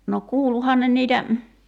no kuuluihan ne niitä